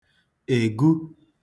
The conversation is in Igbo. ègu